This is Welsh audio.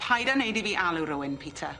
Paid â neud i fi alw rywun, Peter.